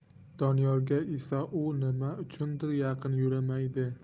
doniyorga esa u nima uchundir yaqin yo'lamaydi